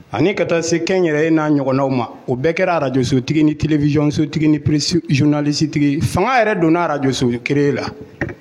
Ani ka taa se kɛn yɛrɛ n'a ɲɔgɔnnaw ma o bɛɛ kɛra arajtigi ni tele vyonsotigi ni presi zonalisitigi fanga yɛrɛ don a araj kelene la